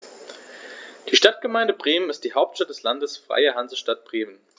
Die Stadtgemeinde Bremen ist die Hauptstadt des Landes Freie Hansestadt Bremen.